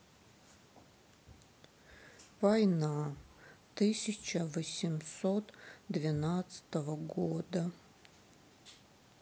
война тысяча восемьсот двенадцатого года